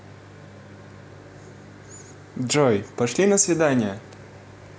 джой пошли на свидание